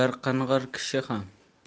bir qing'ir kishi ham